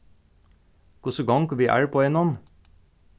hvussu gongur við arbeiðinum